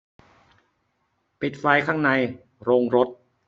ปิดไฟข้างในโรงรถ